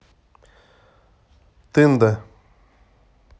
тында